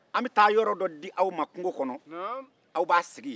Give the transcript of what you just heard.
anw bɛ taa yɔrɔ dɔ di aw ma kungo kɔnɔ aw bɛ aw sigi yen